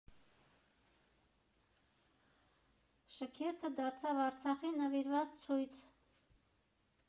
Շքերթը դարձավ Արցախին նվիրված ցույց։